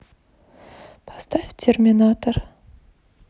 поставь терминатор